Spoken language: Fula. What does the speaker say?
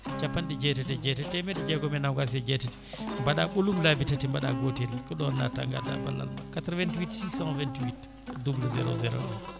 capanɗe jeettati e jeetati temedde jeegom e nogas e jeetati mbaɗa ɓoolum laabi tati mbaɗa gotel ko ɗon natta gadda ballal maɗa 88 628 00 01